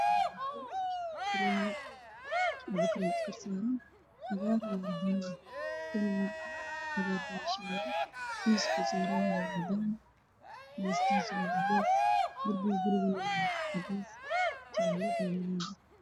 Meeshani wax yaalo kareemo labo ah oo is korsaaran